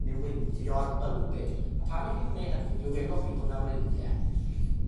niweidio'r bylbyn. A pan 'ych chi'n gwneu hynny fe welwch chi bo' 'na wreiddie